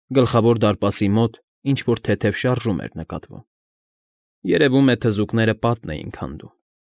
Գլխավոր դարպասի մոտ ինչ֊որ թեթև շարժում էր նկատվում, երևում է թզուկները պատն էին քանդում։